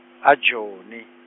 aJoni.